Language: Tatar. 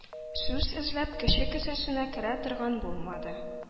Сүз эзләп кеше кесәсенә керә торган булмады.